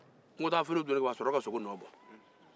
kuntaafiniw donnen ko a sɔrɔla ka sogow nɔ n